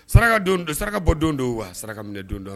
Saraka don don , saraka bɔ don don , wa saraka minɛ don don.